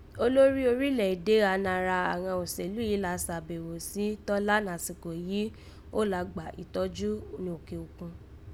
Olórí orílẹ̀ èdè gha nara àghan olósèlú yìí la sàbẹ̀ghò sí Tọ́lá nàsìkò yí gho la gbà ìtọ́jú ni òkè òkun